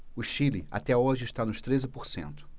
o chile até hoje está nos treze por cento